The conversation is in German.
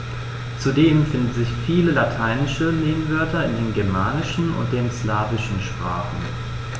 Zudem finden sich viele lateinische Lehnwörter in den germanischen und den slawischen Sprachen.